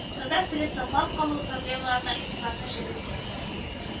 Татар телен саклап калу проблемаларына игътибарны җәлеп итү